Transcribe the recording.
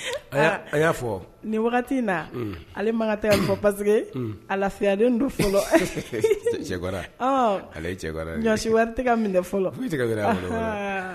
A y'a fɔ wagati in na ale ma fɔ parceyaden don fɔlɔ ale ɲɔsi wari min